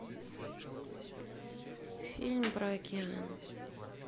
фильм про океан